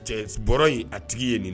Cɛɔr in a tigi ye nin